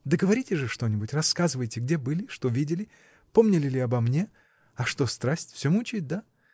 — Да говорите же что-нибудь, рассказывайте, где были, что видели, помнили ли обо мне? А что страсть? всё мучает — да?